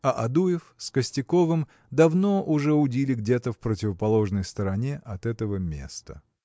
А Адуев с Костяковым давно уже удили где-то в противоположной стороне от этого места.